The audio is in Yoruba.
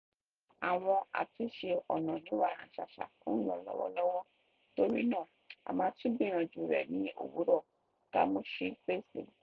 "Àwọn àtúnṣe ọ̀nà ní wàràǹsesà ń lọ lọ́wọ́lọ́wọ́ torí náà a máa tún gbìyànjú rẹ̀ ní òwúrọ̀."Cemuschi fèsì.